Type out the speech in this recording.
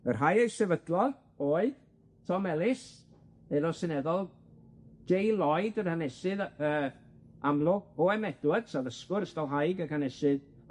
Y rhai a'i sefydlodd oedd Tom Ellis, aelod seneddol, Jay Lloyd, yr hanesydd yy yy Amlwch, Owe Em Edwards addysgwr ysgolhaig ac hanesydd,